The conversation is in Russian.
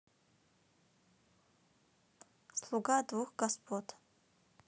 слуга двух господ